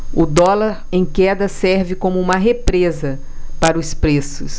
o dólar em queda serve como uma represa para os preços